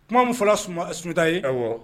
Kuma fɔra sunjatata ye wa